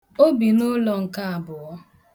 O bi n'ụlọ nke abụọ.